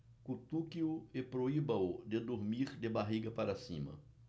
cutuque-o e proíba-o de dormir de barriga para cima